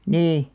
niin